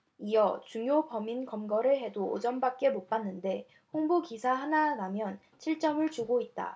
이어 중요 범인 검거를 해도 오 점밖에 못 받는데 홍보 기사가 하나 나면 칠 점을 주고 있다